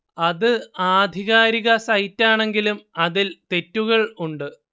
അത് ആധികാരിക സൈറ്റ് ആണെങ്കിലും അതിൽ തെറ്റുകൾ ഉണ്ട്